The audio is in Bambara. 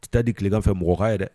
I tɛ taa di tilekan fɛ mɔgɔ yɛrɛ